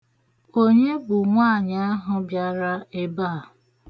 Onye bụ nwaanyị ahụ bịara ebe a?